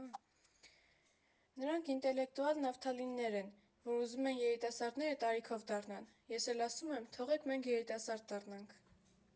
Նրանք ինտելեկտուալ նավթալիններ են, որ ուզում են երիտասարդները տարիքով դառնան, ես էլ ասում եմ՝ թողեք մենք երիտասարդ դառնանք։